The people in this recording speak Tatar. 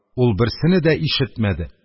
Ул берсене дә ишетмәде.